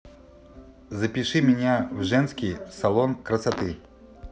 запиши меня в женский салон красоты